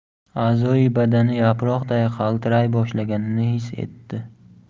a'zoyi badani yaproqday qaltiray boshlaganini his etdi